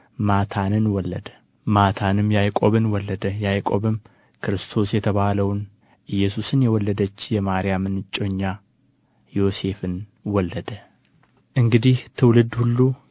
ማታንን ወለደ ማታንም ያዕቆብን ወለደ ያዕቆብም ክርስቶስ የተባለውን ኢየሱስን የወለደች የማርያምን እጮኛ ዮሴፍን ወለደ እንግዲህ ትውልድ ሁሉ